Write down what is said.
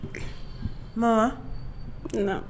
Mama, na